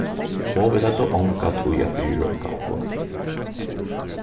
og vit høvdu onga tíð at fyrireika okkum